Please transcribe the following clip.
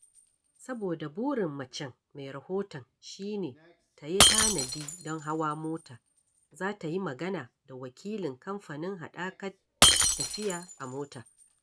Saboda burin macen mai rahoton shi ne ta yi tanadi don hawa mota, za ta yi magana da wakilin kamfanin haɗakar tafiya a mota